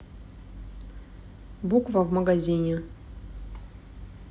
буква в магазине